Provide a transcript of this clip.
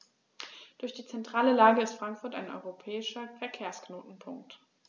Durch die zentrale Lage ist Frankfurt ein europäischer Verkehrsknotenpunkt.